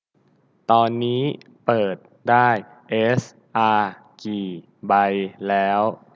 ตอนนี้เปิดได้เอสอากี่ใบแล้ว